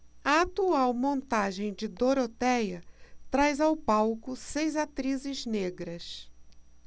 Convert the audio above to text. a atual montagem de dorotéia traz ao palco seis atrizes negras